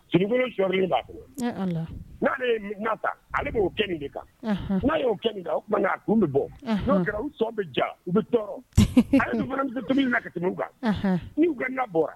Fini min'a bolo'ale ta ale bɛ kɛ kan n'a y kɛ nin kun bɛ bɔ kɛra sɔn bɛ ja u bɛ na kɛ tɛmɛ kan n gɛn bɔra